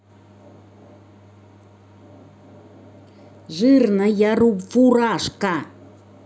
жирная фуражка